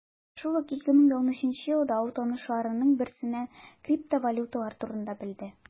Шул ук 2013 елда ул танышларының берсеннән криптовалюталар турында белде.